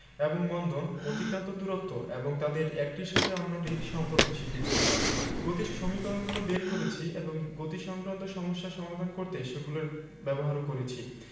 এবং মন্দন অতিক্রান্ত দূরত্ব এবং তাদের একটির সাথে অন্যটির সম্পর্ক শিখেছি গতির সমীকরণগুলো বের করেছি এবং গতিসংক্রান্ত সমস্যা সমাধান করতে সেগুলো ব্যবহারও করেছি